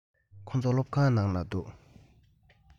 ཁོ ཚོ སློབ ཁང ནང ལ འདུག